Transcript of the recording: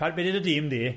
Pa- be dydd y dîm di?